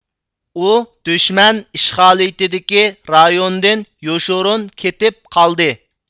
ئۇ دۈشمەن ئىشغالىيىتىدىكى رايوندىن يوشۇرۇن كېتىپ قالدى